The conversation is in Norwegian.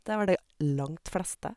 Det er vel de langt fleste.